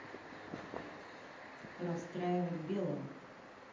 расстраивать белого